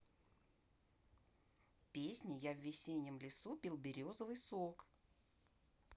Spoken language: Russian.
песня я в весеннем лесу пил березовый сок